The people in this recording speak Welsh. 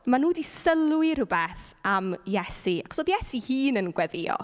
Maen nhw 'di sylwi rhywbeth am Iesu, achos oedd Iesu ei hun yn gweddïo.